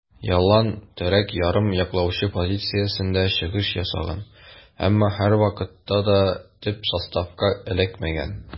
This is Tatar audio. Ялланн терәк ярым яклаучы позициясендә чыгыш ясаган, әмма һәрвакытта да төп составка эләкмәгән.